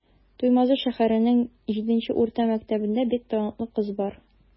Туймазы шәһәренең 7 нче урта мәктәбендә бик талантлы кыз бар.